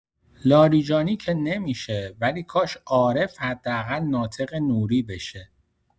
لاریجانی که نمی‌شه ولی کاش عارف حداقل ناطق نوری بشه!